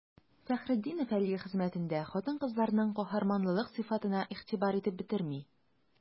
Фәхретдинов әлеге хезмәтендә хатын-кызларның каһарманлылык сыйфатына игътибар итеп бетерми.